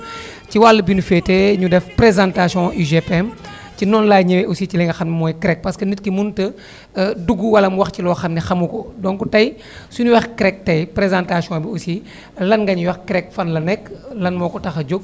ci wàllu bi nu féetee énu des présentation UGPM ci noonu laay ñëwee aussi ci li nga xam ni mooy CREC parce que nit ki mënut a dugg wala mu wax ci loo xam ne xamoo ko donc tey sunuy wax CREC tey présentation bi aussi lan nga ñuy wax CREC fan la nekk lan moo ko tax a jóg